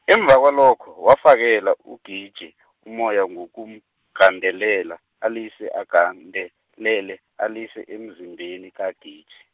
emva kwalokho, wafakela UGiji, umoya ngokumgandelela, alise agandelele alise, emzimbeni kaGiji.